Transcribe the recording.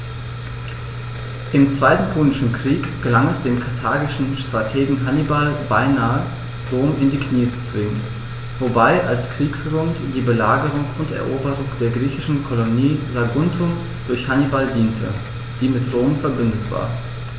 Im Zweiten Punischen Krieg gelang es dem karthagischen Strategen Hannibal beinahe, Rom in die Knie zu zwingen, wobei als Kriegsgrund die Belagerung und Eroberung der griechischen Kolonie Saguntum durch Hannibal diente, die mit Rom „verbündet“ war.